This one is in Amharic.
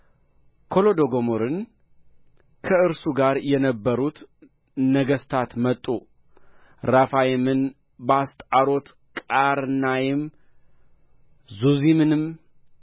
ኮሎዶጎምርና ከእርሱ ጋር የነበሩት ነገሥታት መጡ ራፋይምን በአስጣሮት ቃርናይም ዙዚምንም